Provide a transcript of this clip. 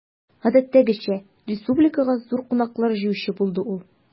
Гадәттәгечә, республикага зур кунаклар җыючы булды ул.